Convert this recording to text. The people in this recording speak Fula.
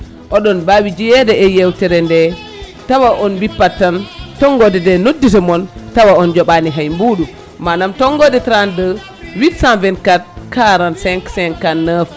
oɗon mbawi jeeyade e yewtere nde tawa on bippat tan tonngode nde noddita moon tawa on joɓani hay buuɗu manam tonggode 32 824 45 59